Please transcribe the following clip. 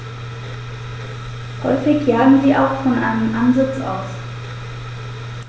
Häufig jagen sie auch von einem Ansitz aus.